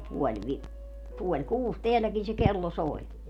no puoli - puoli kuusi täälläkin se kello soi